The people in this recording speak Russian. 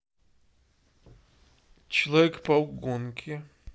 человек паук гонки